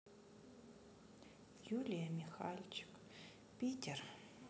юлия михальчик питер